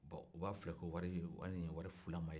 bon u b'a filɛ ko wari in ye wari fulama ye